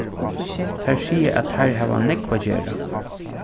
teir siga at teir hava nógv at gera